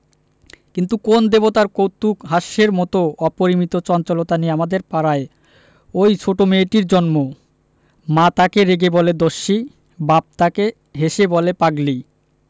কিন্তু কোন দেবতার কৌতূকহাস্যের মত অপরিমিত চঞ্চলতা নিয়ে আমাদের পাড়ায় ঐ ছোট মেয়েটির জন্ম মা তাকে রেগে বলে দস্যি বাপ তাকে হেসে বলে পাগলি